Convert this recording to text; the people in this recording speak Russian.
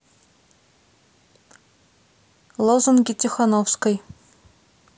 лозунги тихановской